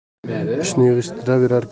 ishni yig'ishtirarkanmiz degan